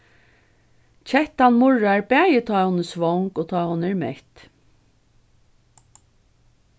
kettan murrar bæði tá hon er svong og tá hon er mett